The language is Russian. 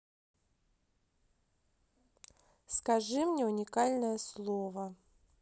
скажи мне уникальное слово